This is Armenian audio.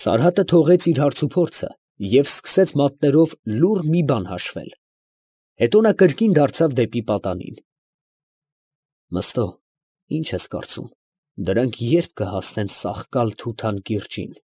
Սարհատը թողեց իր հարցուփորձը և սկսեց մատներով լուռ մի բան հաշվել. հետո նա կրկին դարձավ դեպի պատանին. ֊ Ի՞նչ ես կարծում, Մըստո, դրանք ե՞րբ կհասնեն Սախկալ֊Թութան կիրճին։